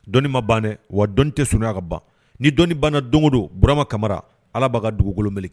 Dɔni ma bannen wa dɔn tɛ sunya ka ban ni dɔni banna dondo burama kamara ala b'a ka dugukoloele